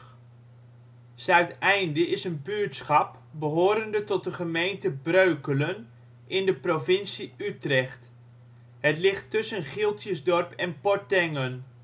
Zuideinde is een buurtschap behorende tot de gemeente Breukelen in de provincie Utrecht. Het even tussen Gieltjesdorp en Portengen